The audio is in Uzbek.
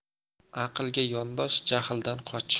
aqlga yondosh jahldan qoch